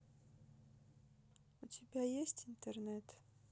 у тебя есть интернет